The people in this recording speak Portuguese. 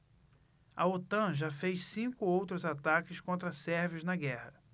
a otan já fez cinco outros ataques contra sérvios na guerra